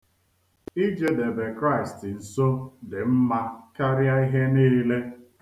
Ijedebe Kraịst nso dị mma karịa ihe niile.